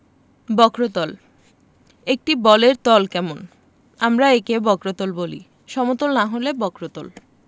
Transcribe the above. বক্রতল একটি বলের তল কেমন আমরা একে বক্রতল বলি সমতল না হলে বক্রতল